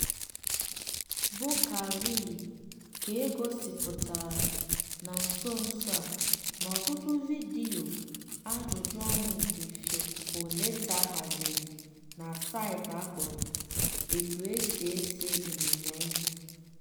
Boukary ka e gosipụtara na nsonso a n'ọtụtụ vidiyo ajụjụọnụ nke Phil Paoletta haziri na saịtị akpọrọ 'Etu esi Ese Ịnyịnya Ibu'.